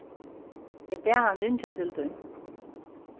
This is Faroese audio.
eg bað hann ringja til tín